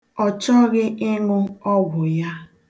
Ọ chọghị ịṅụ ọgwụ ya.